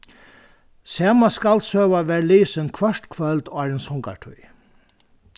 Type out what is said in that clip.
sama skaldsøga varð lisin hvørt kvøld áðrenn songartíð